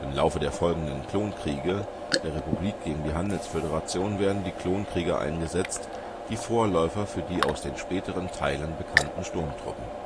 Im Laufe der folgenden " Klonkriege " der Republik gegen die Handelsföderation werden Klonkrieger eingesetzt, die Vorläufer für die aus den späteren Teilen bekannten Sturmtruppen